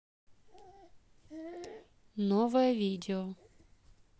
новое видео